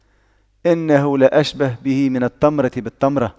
إنه لأشبه به من التمرة بالتمرة